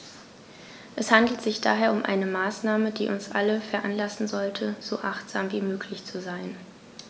Es handelt sich daher um eine Maßnahme, die uns alle veranlassen sollte, so achtsam wie möglich zu sein.